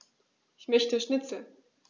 Ich möchte Schnitzel.